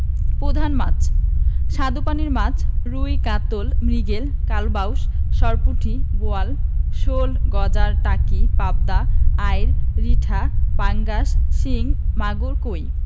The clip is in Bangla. প্রধান মাছঃ স্বাদুপানির মাছ রুই কাতল মৃগেল কালবাউস সরপুঁটি বোয়াল শোল গজার টাকি পাবদা আইড় রিঠা পাঙ্গাস শিং মাগুর কৈ